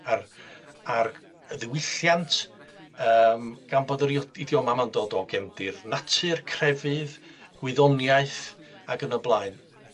ar ar y ddiwylliant yym gan bod yr io-idioma 'ma'n dod o gefndir natur, crefydd, gwyddoniaeth ag yn y blaen.